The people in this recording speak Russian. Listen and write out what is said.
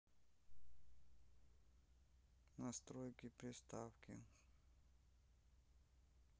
настройки приставки